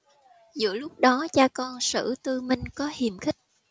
giữa lúc đó cha con sử tư minh có hiềm khích